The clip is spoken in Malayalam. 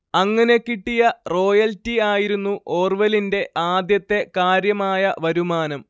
അങ്ങനെ കിട്ടിയ റോയൽറ്റി ആയിരുന്നു ഓർവെലിന്റെ ആദ്യത്തെ കാര്യമായ വരുമാനം